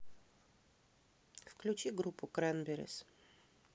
включи группу кренберис